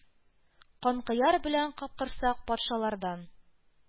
Канкояр белән Капкорсак патшалардан